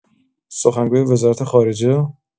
سخنگوی وزارت‌خارجه